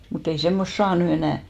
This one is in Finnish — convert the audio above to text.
mutta ei semmoista saa nyt enää